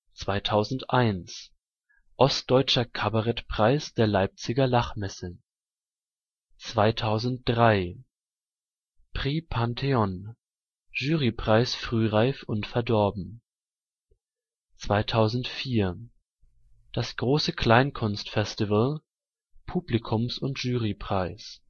2001: Ostdeutscher Kabarett-Preis der Leipziger Lachmesse 2003: Prix Pantheon: Jurypreis Frühreif & Verdorben 2004: Das große Kleinkunstfestival: Publikums - und Jurypreis